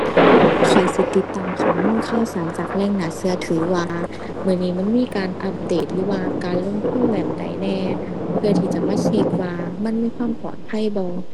ข้อยสิติดตามข้อมูลข่าวสารจากแหล่งน่าเชื่อถือว่า มื้อนี้มันมีการอัปเดตหรือว่าการลงทุนแบบใดแหน่ เพื่อที่จะมาเช็กว่ามันมีความปลอดภัยบ่